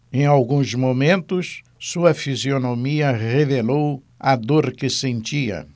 em alguns momentos sua fisionomia revelou a dor que sentia